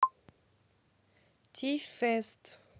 ти фест